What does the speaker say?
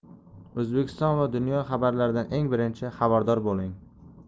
o'zbekiston va dunyo xabarlaridan eng birinchi xabardor bo'ling